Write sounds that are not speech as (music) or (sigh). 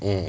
(hesitation) (hesitation)